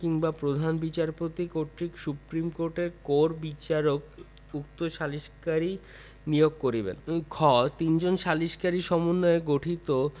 কিংবা প্রধান বিচারপতি কর্তৃক সুপ্রীম কোর্টের কোর বিচারক উক্ত সালিসকারী নিয়োগ করিবেন খ তিনজন সালিসকারী সমন্বয়ে গঠিত